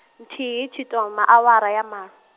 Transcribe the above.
nthihi tshithoma awara ya malo.